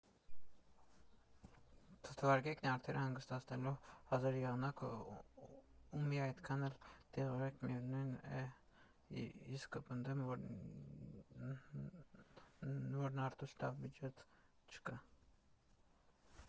Թվարկե՛ք նյարդերը հանգստացնելու հազար եղանակ ու մի այդքան էլ դեղորայք, միևնույն է, ես կպնդեմ, որ նարդուց լավ միջոց չկա։